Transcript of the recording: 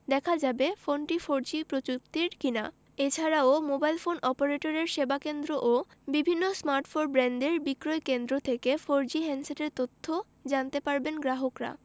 দেখা যাবে ফোনটি ফোরজি প্রযুক্তির কিনা এ ছাড়াও মোবাইল ফোন অপারেটরের সেবাকেন্দ্র ও বিভিন্ন স্মার্টফোন ব্র্যান্ডের বিক্রয়কেন্দ্র থেকেও ফোরজি হ্যান্ডসেটের তথ্য জানতে পারবেন গ্রাহকরা